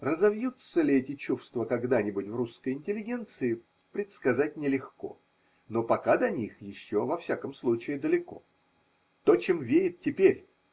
Разовьются ли эти чувства когда-нибудь в русской интеллигенции, предсказать нелегко: но пока до них еще, во всяком случае, далеко. То, чем веет теперь.